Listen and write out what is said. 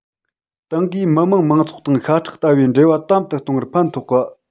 ཏང གིས མི དམངས མང ཚོགས དང ཤ ཁྲག ལྟ བུའི འབྲེལ བ དམ དུ གཏོང བར ཕན ཐོགས པ